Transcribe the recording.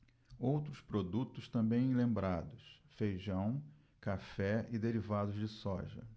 outros produtos também lembrados feijão café e derivados de soja